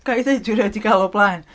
Ga i ddeud dwi rioed di gael o blaen?